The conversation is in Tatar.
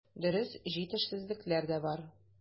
Дөрес, җитешсезлекләр дә бар.